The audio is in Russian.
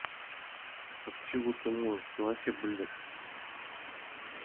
отчего ты можешь ты вообще блядь